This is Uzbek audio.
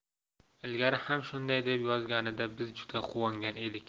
ilgari ham shunday deb yozganida biz juda quvongan edik